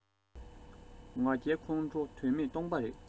ང རྒྱལ ཁོང ཁྲོ དོན མེད སྟོང པ རེད